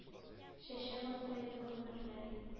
Чәчәк атса иде гомерләр.